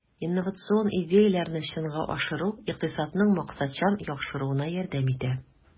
Инновацион идеяләрне чынга ашыру икътисадның максатчан яхшыруына ярдәм итә.